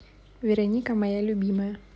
вероника моя любимая